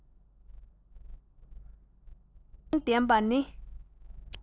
ཆ རྐྱེན ལྡན པ ནི